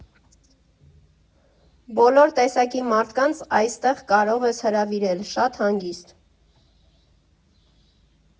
Բոլոր տեսակի մարդկանց այստեղ կարող ես հրավիրել շատ հանգիստ։